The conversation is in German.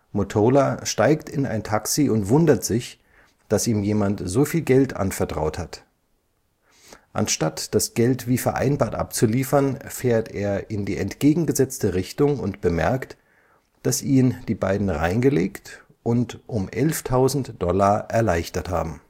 Mottola steigt in ein Taxi und wundert sich, dass ihm jemand so viel Geld anvertraut hat. Anstatt das Geld wie vereinbart abzuliefern, fährt er in die entgegengesetzte Richtung und bemerkt, dass ihn die beiden reingelegt und um elftausend Dollar erleichtert haben